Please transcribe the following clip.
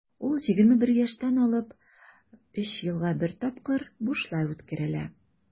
Ул 21 яшьтән алып 3 елга бер тапкыр бушлай үткәрелә.